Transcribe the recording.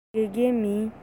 ང དགེ རྒན མིན